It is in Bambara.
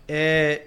Ee